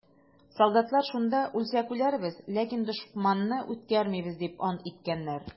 Солдатлар шунда: «Үлсәк үләрбез, ләкин дошманны үткәрмәбез!» - дип ант иткәннәр.